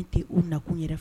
N tɛ u nakun yɛrɛ fɔ